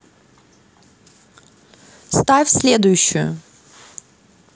ставь следующую